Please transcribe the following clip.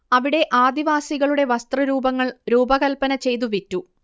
അവിടെ ആദിവാസികളുടെ വസ്ത്രരൂപങ്ങൾ രൂപകൽപ്പന ചെയ്തു വിറ്റു